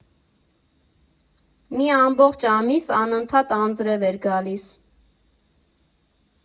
Մի ամբողջ ամիս անընդհատ անձրև էր գալիս։